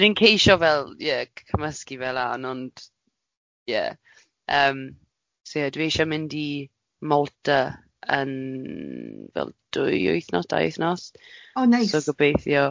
So dwi'n ceisio fel ie cymysgu fe lan, ond ie yym so ie dwi eisiau mynd i Malta yn fel dwy wythnos, dau wythnos. O neis. So gobeithio.